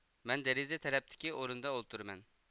مەن دېرىزە تەرەپتىكى ئورۇندا ئولتۇرىمەن